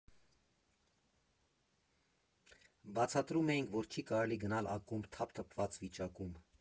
Բացատրում էինք, որ չի կարելի գնալ ակումբ թափթփված վիճակում։